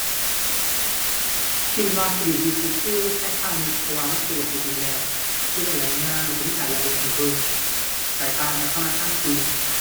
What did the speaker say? คิดว่าที่ดีที่สุดคือไทยพาณิชย์ เพราะว่ามันสะดวกที่สุดแล้ว เฮ็ดได้หลายอย่างแล้วก็มีหลายระบบให้เบิ่ง แตกต่างกับธนาคารอื่น